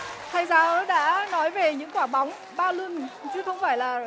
thầy giáo đã nói về những quả bóng ba lưn chứ không phải là